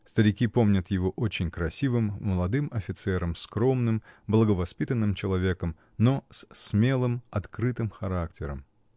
Старики помнят его очень красивым, молодым офицером, скромным, благовоспитанным человеком, но с смелым, открытым характером.